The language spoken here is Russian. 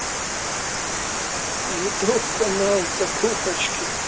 ютуб канал закупочки